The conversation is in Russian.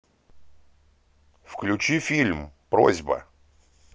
включи фильм просьба